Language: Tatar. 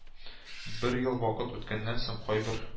Бер ел вакыт үткәннән соң кайбер